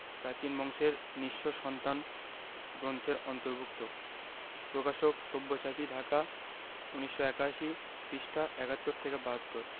প্রাচীন বংশের নিঃস্ব সন্তান গ্রন্থের অন্তর্ভুক্ত প্রকাশক সব্যসাচী ঢাকা ১৯৮১ পৃষ্ঠা ৭১ থেকে ৭২